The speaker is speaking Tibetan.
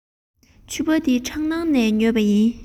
ཕྱུ པ འདི གྲ ནང ནས ཉོས པ ཡིན